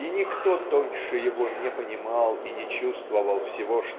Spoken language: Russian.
и никто тоньше его не понимал и не чувствовал всего